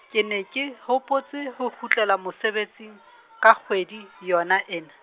ke ne ke, hopotse ho kgutlela mosebetsing, ka kgwedi, yona ena.